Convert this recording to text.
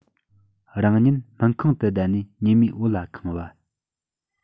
རང ཉིད མུན ཁང དུ བསྡད ནས ཉི མའི འོད ལ འཁང བ